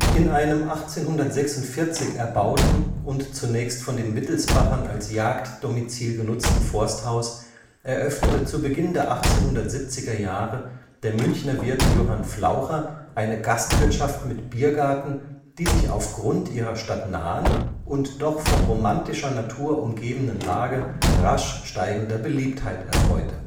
In einem 1846 erbauten und zunächst von den Wittelsbachern als Jagddomizil genutzten Forsthaus eröffnete zu Beginn der 1870er Jahre der Münchner Wirt Johann Flaucher eine Gastwirtschaft mit Biergarten, die sich aufgrund ihrer stadtnahen und doch von romantischer Natur umgebenen Lage rasch steigender Beliebtheit erfreute